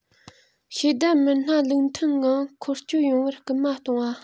ཤེས ལྡན མི སྣ ལུགས མཐུན ངང འཁོར སྐྱོད ཡོང བར སྐུལ མ གཏོང བ